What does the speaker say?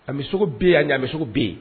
A bɛ bɛ yan ɲami bɛ yen